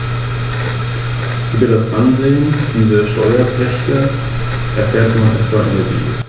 Das „Land der offenen Fernen“, wie die Rhön auch genannt wird, soll als Lebensraum für Mensch und Natur erhalten werden.